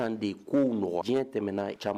San de kow nɔgɔ diɲɛ tɛmɛna caman